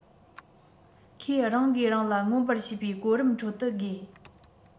ཁོས རང གིས རང ལ མངོན པར བྱེད པའི གོ རིམ ཁྲོད དུ དགོས